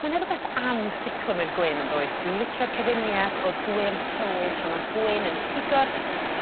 Ma' 'ne rwbeth am cyclamen gwyn yndoes dwi'n licio'r cyfuniad o'r gwyrdd tywyll a ma'r gwyn yn pigo'r